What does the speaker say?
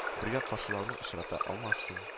Бергә каршылауларын очрата алмассың